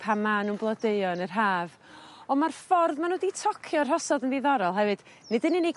pan ma' nw'n blodeuo yn yr haf. On' ma'r ffordd ma' n'w 'di tocio'r rhosod yn ddiddorol hefyd nid yn unig